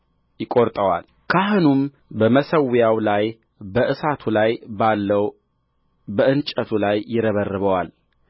ይቈርጠዋል ካህኑም በመሠዊያው ላይ በእሳቱ ላይ ባለው በእንጨቱ ላይ ይረበርበዋል